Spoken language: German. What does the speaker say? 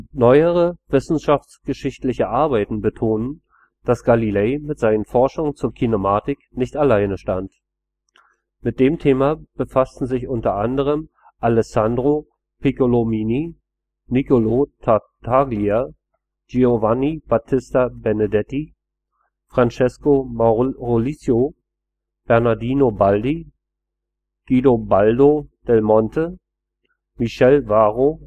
Neuere wissenschaftsgeschichtliche Arbeiten betonen, dass Galilei mit seinen Forschungen zur Kinematik nicht alleine stand. Mit dem Thema befassten sich unter anderem Alessandro Piccolomini, Nicolo Tartaglia, Giovanni Battista Benedetti, Francesco Maurolico, Bernardino Baldi, Guidobaldo del Monte, Michel Varro